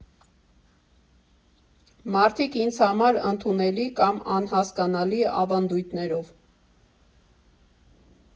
Մարդիկ՝ ինձ համար ընդունելի կամ անհասկանալի ավանդույթներով։